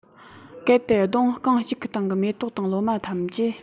གལ ཏེ སྡོང རྐང གཅིག གི སྟེང གི མེ ཏོག དང ལོ མ ཐམས ཅད